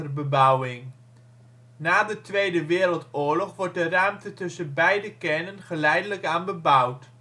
bebouwing. Na de Tweede Wereldoorlog wordt de ruimte tussen beide kernen geleidelijk aan bebouwd